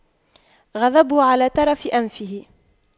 غضبه على طرف أنفه